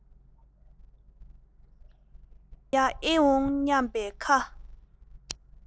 སོ རྒྱག ཨེ འོང སྙམ པའི ཁ